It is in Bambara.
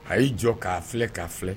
A y'i jɔ k'a filɛ k'a filɛ